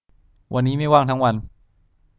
วันนี้ไม่ว่างทั้งวัน